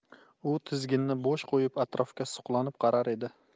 u tizginni bo'sh qo'yib atrofga suqlanib qarar edi